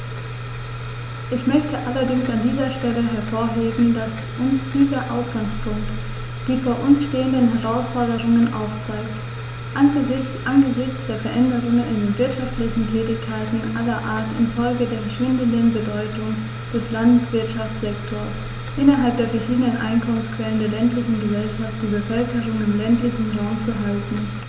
Ich möchte allerdings an dieser Stelle hervorheben, dass uns dieser Ausgangspunkt die vor uns stehenden Herausforderungen aufzeigt: angesichts der Veränderungen in den wirtschaftlichen Tätigkeiten aller Art infolge der schwindenden Bedeutung des Landwirtschaftssektors innerhalb der verschiedenen Einkommensquellen der ländlichen Gesellschaft die Bevölkerung im ländlichen Raum zu halten.